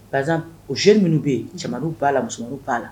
Par exemple o jeunes minnu be ye cɛmaninw b'a la musomaninw b'a la